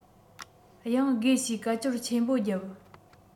ཡང དགོས ཞེས སྐད ཅོར ཆེན པོ བརྒྱབ